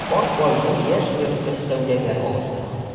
Карт байны яшь ерткыч сәүдәгәр алыштыра.